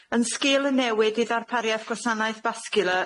Yn sgil y newid i ddarpariaeth gwasanaeth vascular